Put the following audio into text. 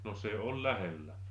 no se on lähellä